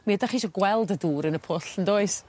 mi ydach chi isio gweld y dŵr yn y pwll yndoes?